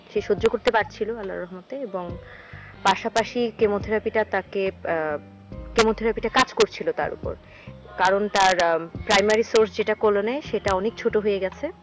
সে সহ্য করতে পারছিল আল্লাহর রহমতে পাশাপাশি কেমোথেরাপি টা তাকে কেমোথেরাপি টা কাজ করছিল তার উপর কারণ তার প্রাইমারি সোর্স যেটা কোলনে সেটা অনেক ছোট হয়ে গেছে